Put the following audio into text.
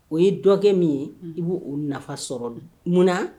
O ye dɔgɔkɛ min ye i b' oo nafa sɔrɔ don munna